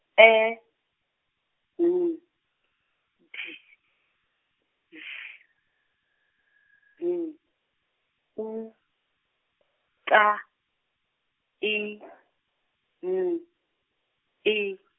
E, N, D, Z, N, U, T, I , N, I.